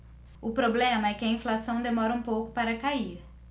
o problema é que a inflação demora um pouco para cair